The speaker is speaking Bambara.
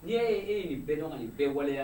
Ni e nin bɛɛ ɲɔgɔn ka nin bɛɛ waleya